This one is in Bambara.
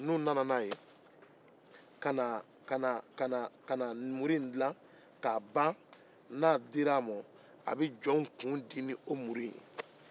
n'u ye muru dila k'a ban k'a di masakɛ ma a bɛ jɔnw kunkolo di ni muru in ye